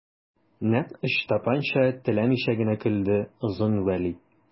Нәкъ Ычтапанча теләмичә генә көлде Озын Вәли.